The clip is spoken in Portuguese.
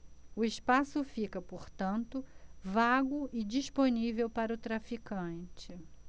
o espaço fica portanto vago e disponível para o traficante